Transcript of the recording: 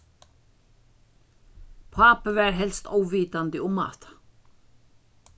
pápi var helst óvitandi um hatta